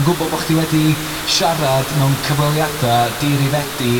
DwI'n gwbo bo' chdi wedi siarad mewn cyfweliada' dirifedi